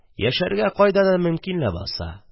Яшәргә кайда да мөмкин ләбаса